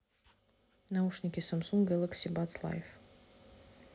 наушники самсунг гэлакси батс лайф